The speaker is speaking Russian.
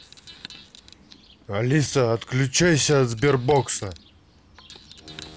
алиса отключайся от сбербокса